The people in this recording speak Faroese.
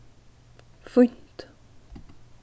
fínt